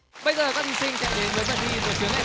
bây giờ các thí sinh sẽ đến